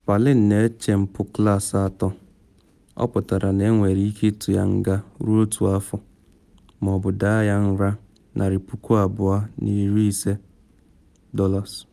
Palin na eche mpụ Klaasị A ato, ọ pụtara enwere ike ịtụ ya nga ruo otu afọ ma ọ bụ daa ya nra $250,000.